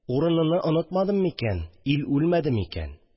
Рыныны онытмадым микән? ил үлмәде микән